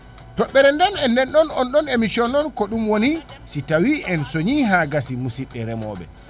toɓɓere nden en nanɗon onɗon émission noon ko ɗum woni si tawi en sooñi ha gassi musidɓe reemoɓe